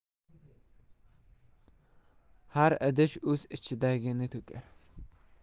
har idish o'z ichidagini to'kar